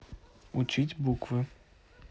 учить буквы